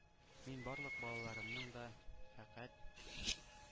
Мин барлык балаларымның да фәкать